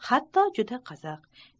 hatto juda qiziq